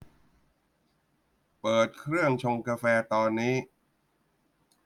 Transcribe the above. เปิดเครื่องชงกาแฟตอนนี้